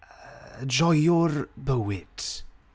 Joiwr bywyd.